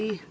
i